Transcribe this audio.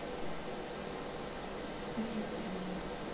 афина прием